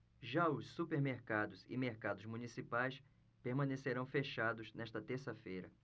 já os supermercados e mercados municipais permanecerão fechados nesta terça-feira